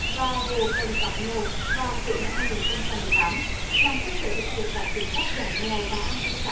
và hộ cần thoát nghèo vào cuối năm hai nghìn không trăm mười tám làm cơ sở thực hiện các chính sách giảm nghèo và an sinh xã